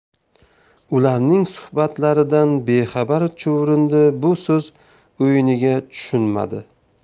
ularning suhbatlaridan bexabar chuvrindi bu so'z o'yiniga tushunmadi